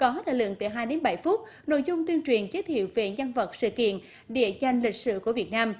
có thời lượng từ hai đến bảy phút nội dung tuyên truyền giới thiệu về nhân vật sự kiện địa danh lịch sử của việt nam